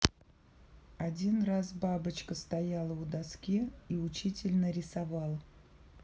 один раз бабочка стояла у доски и учитель нарисовал